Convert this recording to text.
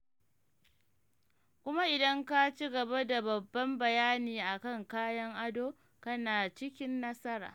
Kuma idan ka ci gaba da babban bayani a kan kayan ado - kana cikin nasara.